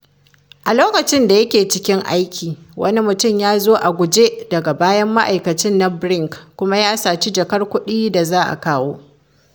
A lokacin da yake cikin aiki, wani mutum “ya zo a guje daga bayan ma’aikacin na Brink” kuma ya saci jakar kuɗi da za a kawo.